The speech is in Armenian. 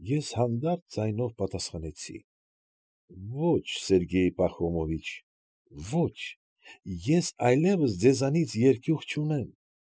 Ես հանդարտ ձայնով պատասխանեցի. ֊ Ո՛չ, Սերգեյ Պախոմովիչ, ո՛չ, ես այլևս ձեզանից երկյուղ չունիմ։